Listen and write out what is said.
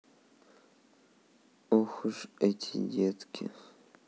ох уж эти детки